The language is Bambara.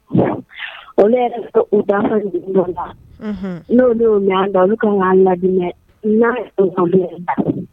U ka la n'o' ka k'a lainɛ'